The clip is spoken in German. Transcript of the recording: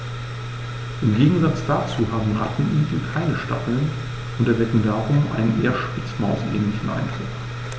Im Gegensatz dazu haben Rattenigel keine Stacheln und erwecken darum einen eher Spitzmaus-ähnlichen Eindruck.